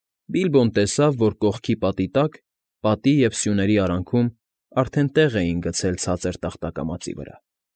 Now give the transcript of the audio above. Բիլբոն տեսավ, որ կողքի պատի տակ, պատի և սյունի արանքում արդեն տեղ էին գցել ցածր տախտակամածի վրա։